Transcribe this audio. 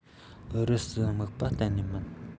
ཨུ རུ སུར དམིགས པའི གཏན ནས མིན